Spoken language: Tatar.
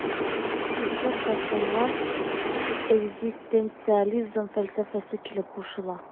Шушы катламга экзистенциализм фәлсәфәсе килеп кушыла.